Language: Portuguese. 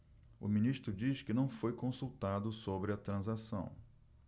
o ministério diz que não foi consultado sobre a transação